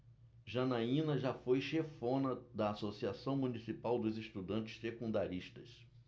janaina foi chefona da ames associação municipal dos estudantes secundaristas